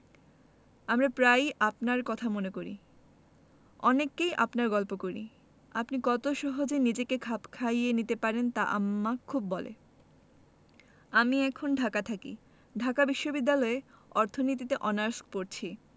আমরা প্রায়ই আপনারর কথা মনে করি অনেককেই আপনার গল্প করি আপনি কত সহজে নিজেকে খাপ খাইয়ে নিতে পারেন তা আম্মা খুব বলে আমি এখন ঢাকা থাকি ঢাকা বিশ্ববিদ্যালয়ে অর্থনীতিতে অনার্স পরছি